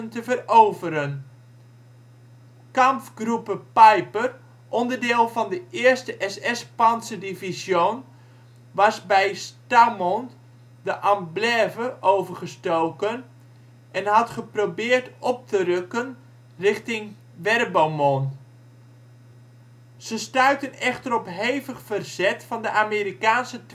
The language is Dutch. te veroveren. Kampfgruppe Peiper, onderdeel van de 1e SS-Panzer Division was bij Stoumont de Amblève overgestoken en had geprobeerd op te rukken richting Werbomont. Ze stuitten echter op hevig verzet van de Amerikaanse